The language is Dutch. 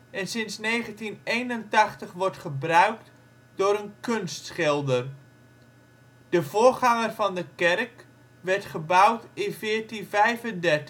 en sinds 1981 wordt gebruikt door een kunstschilder. De voorganger van de kerk werd gebouwd in 1435